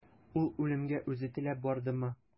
Ул үлемгә үзе теләп бардымы?